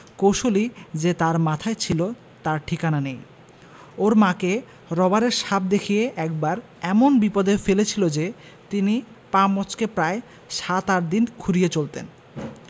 কৌশলই যে তার মাথায় ছিল তার ঠিকানা নেই ওর মাকে রবারের সাপ দেখিয়ে একবার এমন বিপদে ফেলেছিল যে তিনি পা মচ্কে প্রায় সাত আটদিন খুঁড়িয়ে চলতেন